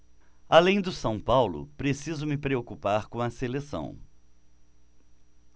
além do são paulo preciso me preocupar com a seleção